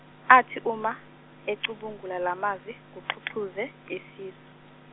athi uma, ecubungula lamazwi kuxhuxhuze isisu.